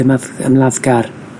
ymadd- ymladdgar